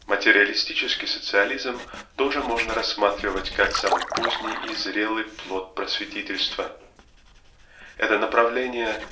Материалистический социализм тоже можно рассматривать как самый поздний и зрелый плод просветительства. Это направление